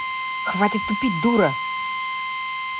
хватит тупить дура